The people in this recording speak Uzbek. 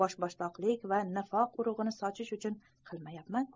boshboshdoqlik va nifoq urug'ini sochish uchun qilmayapman ku